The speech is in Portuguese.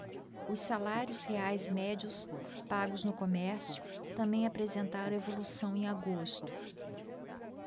os salários reais médios pagos no comércio também apresentaram evolução em agosto